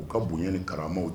U ka boɲɛ ni karamaw